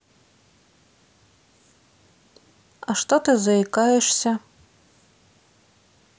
а что ты заикаешься